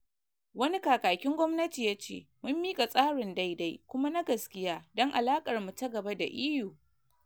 Wani kakakin gwamnati ya ce: “Mun mika tsarin daidai kuma na gaskiya don alakar mu ta gaba da EU.”